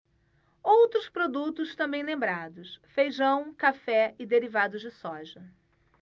outros produtos também lembrados feijão café e derivados de soja